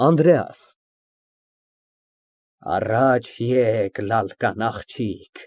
ԱՆԴՐԵԱՍ ֊ Առաջ եկ, լալկան աղջիկ։